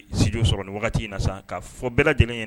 Si sɔrɔ nin wagati in na sisan ka fɔ bɛɛ lajɛlen ɲɛna